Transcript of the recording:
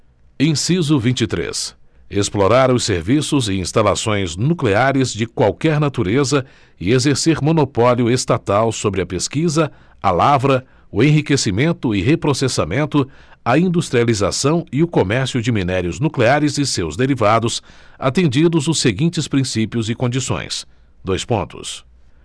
inciso vinte e três explorar os serviços e instalações nucleares de qualquer natureza e exercer monopólio estatal sobre a pesquisa a lavra o enriquecimento e reprocessamento a industrialização e o comércio de minérios nucleares e seus derivados atendidos os seguintes princípios e condições dois pontos